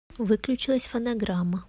выключилась фонограмма